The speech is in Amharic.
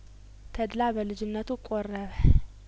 ተድላ በልጅነቱ ቆረበ